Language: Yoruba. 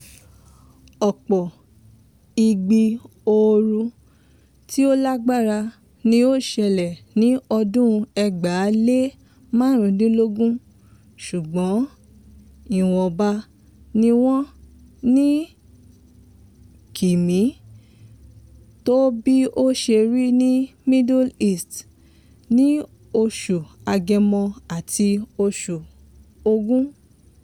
Ọ̀pọ̀ ìgbì ooru tí ó lágbára ni wọ́n ṣẹlẹ̀ ní ọdún 2015, ṣùgbọ́n ìwọ̀nba ni wọ́n ní kìmí tó bí ó ṣe rí ní Middle East ní oṣù Agẹmọ ati oṣù Ògún.